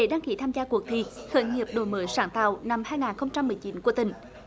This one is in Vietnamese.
để đăng ký tham gia cuộc thi khởi nghiệp đổi mới sáng tạo năm hai nghìn không trăm mười chín của tỉnh